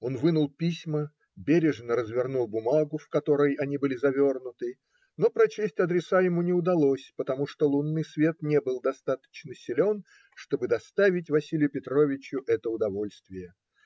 Он вынул письма, бережно развернул бумагу, в которой они были завернуты, но прочесть адресы ему не удалось, потому что лунный свет не был достаточно силен, чтобы доставить Василию Петровичу это удовольствие.